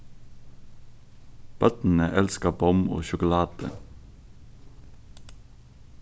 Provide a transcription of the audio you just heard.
børnini elska bomm og sjokulátu